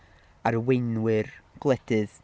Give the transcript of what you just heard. arweinwyr gwledydd...